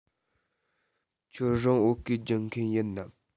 ཁྱོད རང བོད སྐད སྦྱོང མཁན ཡིན ནམ